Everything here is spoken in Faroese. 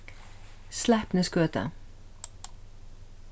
sleipnisgøta